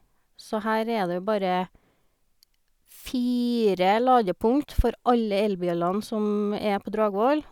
Så her er det jo bare fire ladepunkt for alle elbilene som er på Dragvoll.